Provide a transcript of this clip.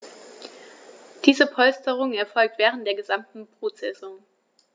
Diese Polsterung erfolgt während der gesamten Brutsaison.